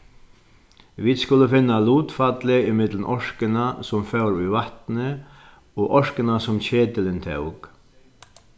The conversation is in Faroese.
vit skulu finna lutfallið ímillum orkuna sum fór í vatnið og orkuna sum ketilin tók